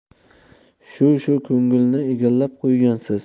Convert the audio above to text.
shu shu ko'ngilni egallab qo'ygansiz